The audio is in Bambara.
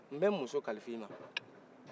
n bɛ n muso kalifa i ma